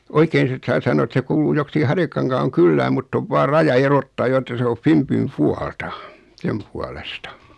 oikein sitten saa sanoa että se kuuluu joksikin Harjakankaan kylään mutta on vain raja erottaa jo että se on Finbyn puolta sen puolesta